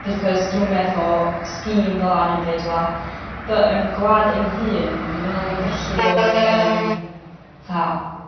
because dyw nw'm efo scheme fel 'a neu 'im byd fel 'a but yn gwlad ein hun mae o'n gallu fod yn fatha